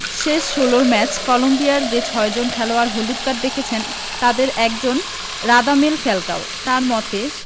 শেষ ষোলোর ম্যাচে কলম্বিয়ার যে ছয়জন খেলোয়াড় হলুদ কার্ড দেখেছেন তাদের একজন রাদামেল ফ্যালকাও তার মতে